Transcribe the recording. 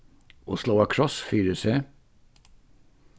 og sláa kross fyri seg